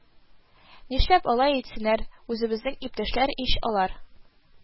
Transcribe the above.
Нишләп алай итсеннәр, үзебезнең иптәшләр ич алар